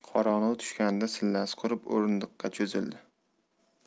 qorong'i tushganida sillasi qurib o'rindiqqa cho'zildi